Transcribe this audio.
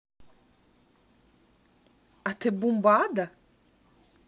а ты бумба адо